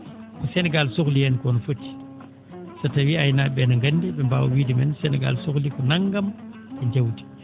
ko Sénégal sohli heen koo no foti so tawii aynaaɓe ɓee no nganndi ɓe mbaawa wiide men Sénégal sohli ko nanngam